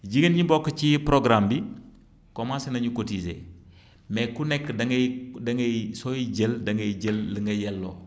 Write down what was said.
jigéen ñi bokk ci programme bi commencé nañu cotiser mais ku nekk da ngay da ngay sooy jël da ngay jël la nga yelloo